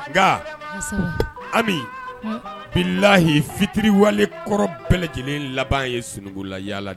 Nka ami bilahi fitiriwale kɔrɔ bɛɛ lajɛlen laban ye sun la yalala